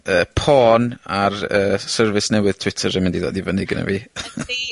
yy potn ar yy service newydd Twitter yn mynd i ddod i fyny gennaf fi. Ydi!